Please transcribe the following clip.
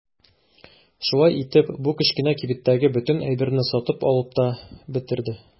Шулай итеп бу кечкенә кибеттәге бөтен әйберне сатып алып та бетерде.